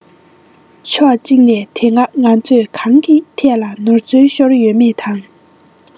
ཕྱོགས གཅིག ནས དེ སྔ ང ཚོས གང གི ཐད ལ ནོར འཚོལ ཤོར ཡོད མེད དང